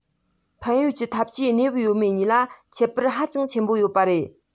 ཕན ཡོད ཀྱི འཐབ ཇུས གནས བབ ཡོད མེད གཉིས ལ ཁྱད པར ཧ ཅང ཆེན པོ ཡོད པ རེད